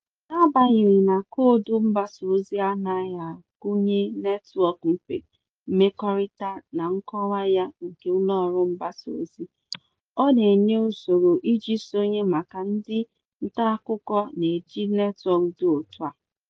N'agbanyeghị na koodu mgbasaozi a anaghị agụnye netwọk mmekọrịta na nkọwa ya nke ụlọọrụ mgbasaozi, ọ na-enye usoro iji sonye maka ndị ntaakụkọ na-eji netwọk dị otú a.